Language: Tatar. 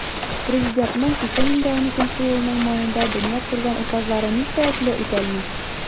Президентның 2012 елның маенда дөнья күргән указлары ни сәбәпле үтәлми?